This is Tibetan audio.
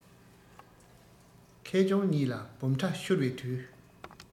ཁེ གྱོང གཉིས ལ སྦོམ ཕྲ ཤོར བའི དུས